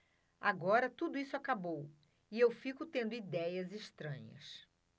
agora tudo isso acabou e eu fico tendo idéias estranhas